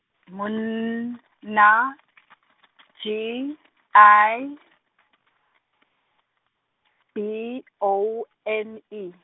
mun- na G I, B O N E.